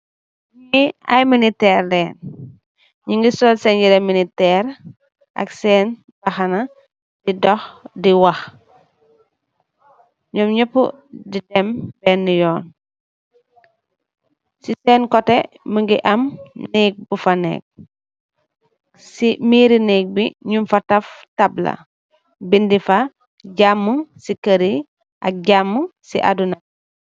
Nyi ay mileter len nyungi sol sen yereh mileter ak sen mbahana di dox di wah nyum yepa di dem bena yuun si sen koteh mogi ma neeg bufa neka si meeri neeg bi nyun fa taff tabala binda fa jama si keuri ak jama si aduna.